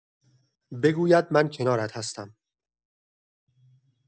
بگوید من کنارت هستم.